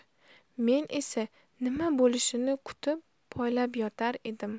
men esa nima bo'lishini kutib poylab yotar edim